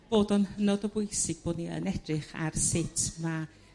Bod o'n hynod o bwysig bod ni yn edrych ar sut ma'